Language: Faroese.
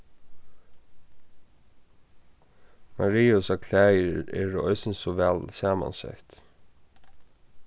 mariusa klæðir eru eisini so væl samansett